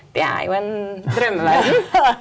det er jo en drømmeverden.